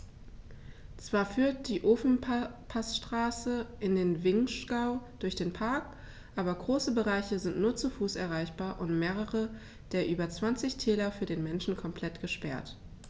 Zwar führt die Ofenpassstraße in den Vinschgau durch den Park, aber große Bereiche sind nur zu Fuß erreichbar und mehrere der über 20 Täler für den Menschen komplett gesperrt.